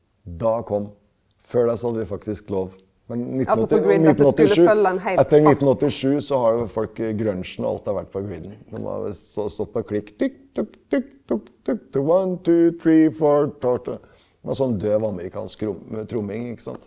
da kom før det så hadde vi faktisk lov, men 1987 etter 1987 så har jo folk grønsjen og alt har vært på griden, stått på klikk tikk tikk tikk tikk tikk , det var sånn døv, amerikansk tromming ikke sant.